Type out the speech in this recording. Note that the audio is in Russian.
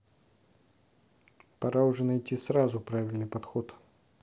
пора уже найти сразу правильный подход